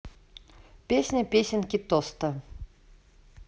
песня песенки тоста